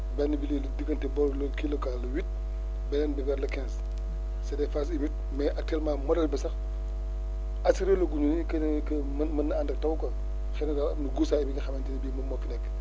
benn bi lii la diggante booru le kii la quoi le huit beneen bi vers le quinze c' est des phases humides mais actuellement modèle bi sax assurer ga lu ñu ni que ne que mën na ànd ak taw quoi xëy na daal am na guusaay bi nga xamante ne bii moom moo fi nekk